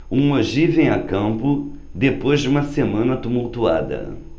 o mogi vem a campo depois de uma semana tumultuada